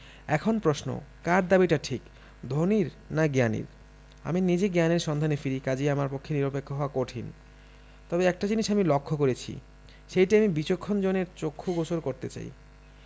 এখন প্রশ্ন কার দাবিটা ঠিক ধনীর না জ্ঞানীর আমি নিজে জ্ঞানের সন্ধানে ফিরি কাজেই আমার পক্ষে নিরপেক্ষ হওয়া কঠিন তবে একটা জিনিস আমি লক্ষ করেছি সেইটে আমি বিচক্ষণ জনের চক্ষু গোচর করতে চাই